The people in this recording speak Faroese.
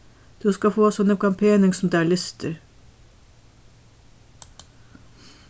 tú skalt fáa so nógvan pening sum tær lystir